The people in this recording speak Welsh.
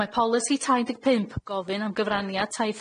Mae polisi saith deg pump gofyn am gyfraniad tai